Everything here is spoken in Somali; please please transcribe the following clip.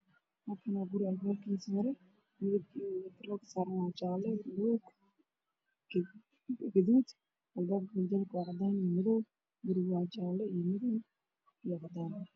Halkaan waxaa ka muuqdo gaanjeel midabkiisu yahay cadaan iyo madaw iyo jaalo darbigana waa jaalo, guduud iyo madaw